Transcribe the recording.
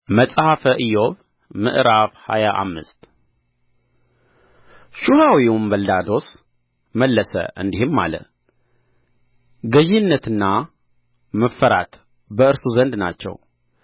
መጽሐፈ ኢዮብ ምዕራፍ ሃያ አምስት ሹሐዊውም በልዳዶስ መለሰ እንዲህም አለ ገዢነትና መፈራት በእርሱ ዘንድ ናቸው